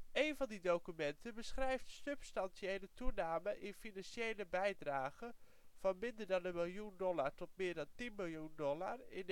Eén van die documenten beschrijft substantiele toename in financiele bijdragen (van minder dan een miljoen dollar tot meer dan 10 miljoen dollar) in 1972. In 2003